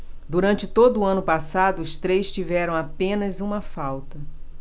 durante todo o ano passado os três tiveram apenas uma falta